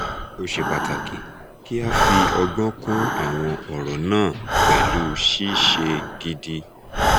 Ó ṣe pàtàkì kí a fi ọgbọ́n kún àwọn ọ̀rọ̀ náà pẹ̀lú ṣíṣe gidi.